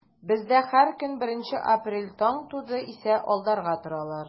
Бездә һәр көн беренче апрель, таң туды исә алдарга торалар.